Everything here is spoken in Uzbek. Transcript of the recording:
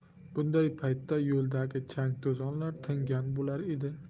bunday paytda yo'ldagi chang to'zonlar tingan bo'lar edi